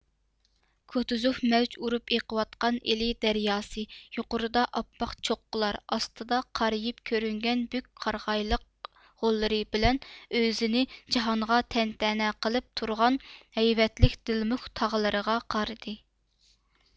كوتۇزۇف مەۋج ئۇرۇپ ئېقىۋاتقان ئىلى دەرياسى يۇقىرىدا ئاپئاق چوققىلار ئاستىدا قارىيىپ كۆرۈنگەن بۈك قارىغايلىق غوللىرى بىلەن ئۆزىنى جاھانغا تەنتەنە قىلىپ تۇرغان ھەيۋەتلىك دىلمۇك تاغلىرىغا قارىدى